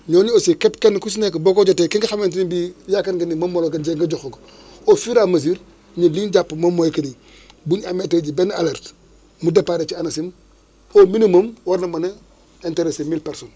mais nag aussi képp kenn ku si nekk boo ko jotee ki nga xamante ni bi yaakaar nga ni moom moo la gën jege nga jox ko ko au fur et à mesure ñun li ñu jàpp moom mooy que ni bu ñu amee tey benn alerte mu départ ci ANACIM au minimum war na mën a interesser mille personnes